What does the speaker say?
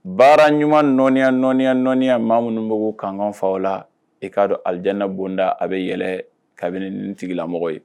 Baara ɲuman nɔya nɔyaya maa minnu mago kankanfa la e k'a don alidinabonda a bɛ yɛlɛ kabini ni tigilamɔgɔ ye